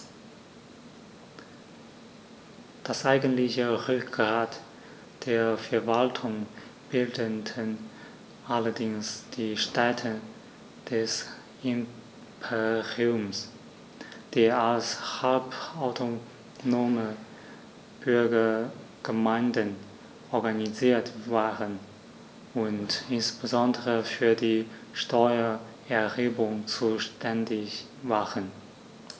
Das eigentliche Rückgrat der Verwaltung bildeten allerdings die Städte des Imperiums, die als halbautonome Bürgergemeinden organisiert waren und insbesondere für die Steuererhebung zuständig waren.